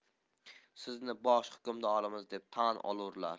sizni bosh hukmdorimiz deb tan olurlar